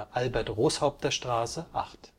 Albert-Roßhaupter-Straße 8